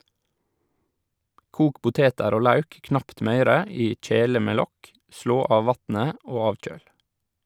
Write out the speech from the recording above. Kok poteter og lauk knapt møyre i kjele med lokk, slå av vatnet og avkjøl.